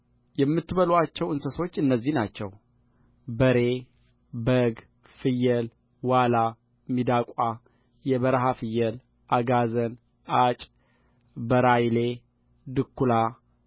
የምትበሉአቸው እንስሶች እነዚህ ናቸው በሬ በግ ፍየል ዋላ ሚዳቋ የበረሃ ፍየል አጋዘን አጭ በራይሌ ድኵላ